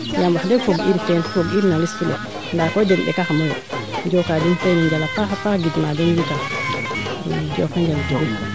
yaam wax deg fog iim teen fog iim na liste le ndaa koy den ɓeka xamo yo im njoka den teena njal a paax paax gid maa den yit njoko njal